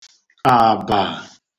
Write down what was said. àbà